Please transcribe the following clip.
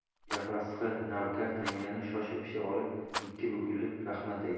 yapasqi navkar tangani shosha pisha olib ikki bukilib rahmat aytdi